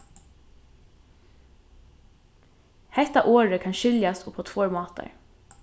hetta orðið kann skiljast upp á tveir mátar